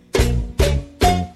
San